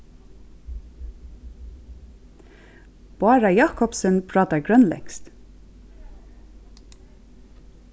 bára jakobsen prátar grønlendskt